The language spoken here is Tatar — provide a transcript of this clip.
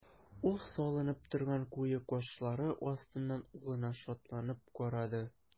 Ул салынып торган куе кашлары астыннан улына шатланып карады.